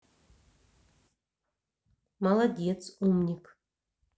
молодец умник